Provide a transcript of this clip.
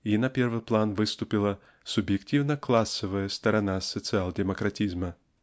и на первый план выступила субъективно-классовая сторона социал-демократизма.